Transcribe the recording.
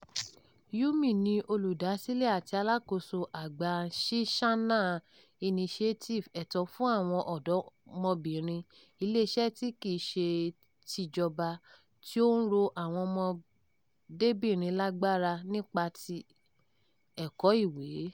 Gyumi ni olùdásílẹ̀ àti alákòóso àgbà Msichana Initiative (Ètò fún àwọn Ọ̀dọ́mọbìnrin), iléeṣẹ́ tí kì í ṣe tìjọba tí ó ń ró àwọn ọmọdébìnrin lágbára nípasẹ̀ ti ẹ̀kọ́ ìwé.